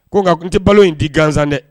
Ko nka n tɛ balo in di gansan dɛ